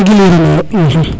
nan gilwiranoyo